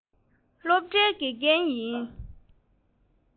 སློབ གྲྭའི དགེ རྒན ཡིན